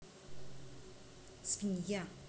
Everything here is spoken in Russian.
свинья